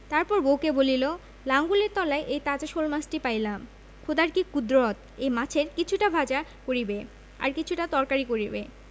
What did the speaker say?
তারপর বউকে বলিল লাঙলের তলায় এই তাজা শোলমাছটি পাইলাম খোদার কি কুদরত এই মাছের কিছুটা ভাজা করিবে আর কিছুটা তরকারি করিবে